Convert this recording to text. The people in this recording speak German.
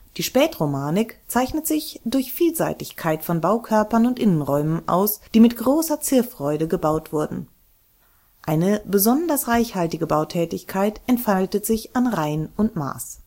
Die Spätromanik zeichnet sich durch Vielseitigkeit von Baukörpern und Innenräumen aus, die mit großer Zierfreude gebaut wurden. Eine besonders reiche Bautätigkeit entfaltete sich an Rhein und Maas